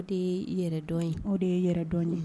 O de ye yɛrɛdɔn ye, o de ye yɛrɛdɔn ye